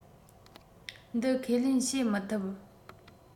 འདི ཁས ལེན བྱེད མི ཐུབ